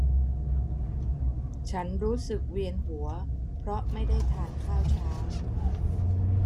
ฉันรู้สึกเวียนหัวเพราะไม่ได้ทานข้าวเช้า